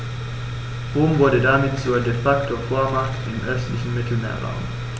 Rom wurde damit zur ‚De-Facto-Vormacht‘ im östlichen Mittelmeerraum.